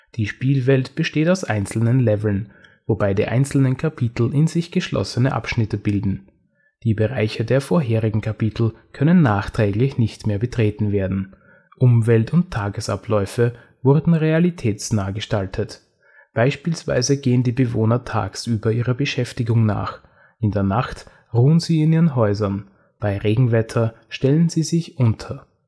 Die Spielwelt besteht aus einzelnen Leveln, wobei die einzelnen Kapitel in sich geschlossene Abschnitte bilden. Die Bereiche der vorherigen Kapitel können nachträglich nicht mehr betreten werden. Umwelt und Tagesabläufe wurden realitätsnah gestaltet. Beispielsweise gehen die Bewohner tagsüber ihrer Beschäftigung nach, in der Nacht ruhen sie in ihren Häusern, bei Regenwetter stellen sie sich unter